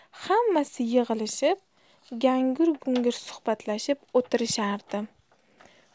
hammasi yig'ilishib gangir gungir suhbatlashib o'tirishardi